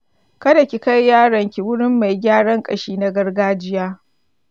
kada ki kai yaron ki wurin mai gyaran ƙashi na gargajiya.